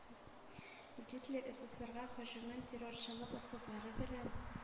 Гитлер эсэсэсэрга һөҗүмен террорчылык ысуллары белән